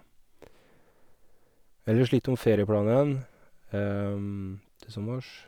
Ellers litt om ferieplanene til sommers.